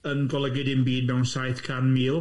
yn golygu dim byd mewn saith can mil.